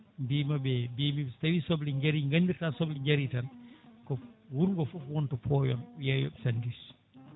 mbimaɓe mibimiɓe so tawi saoble jaari gandirat soble jari tan ko wuurogo foof wonta pooyon yeeyoɓe sandiwch